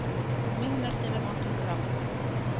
Мең мәртәбә матуррак!